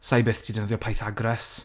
'sa i byth 'di defnyddio Pythagoras.